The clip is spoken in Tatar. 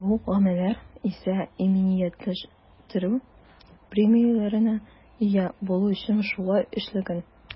Бу гамәлләр исә иминиятләштерү премияләренә ия булу өчен шулай эшләнгән.